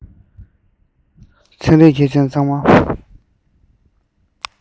ཚན རིག མཁས ཅན ཚང མ